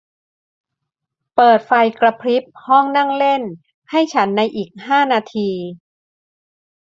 เปิดไฟกระพริบห้องนั่งเล่นให้ฉันในอีกห้านาที